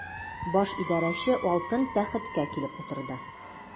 Баш идарәче алтын тәхеткә килеп утырды.